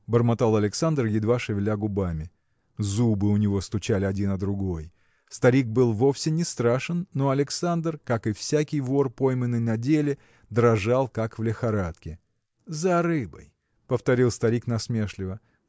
– бормотал Александр, едва шевеля губами. Зубы у него стучали один о другой. Старик был вовсе не страшен но Александр как и всякий вор пойманный на деле дрожал как в лихорадке. – За рыбой! – повторил старик насмешливо.